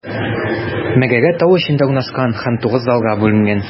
Мәгарә тау эчендә урнашкан һәм тугыз залга бүленгән.